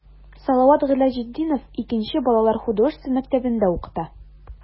Салават Гыйләҗетдинов 2 нче балалар художество мәктәбендә укыта.